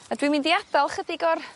Adwi'n mynd i adal chydig o'r